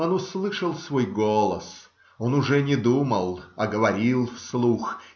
Он услышал свой голос; он уже не думал, а говорил вслух.